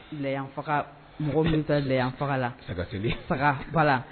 La faga mɔgɔ bɛ la faga la la